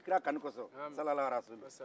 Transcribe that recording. kira kanu kɔsɔ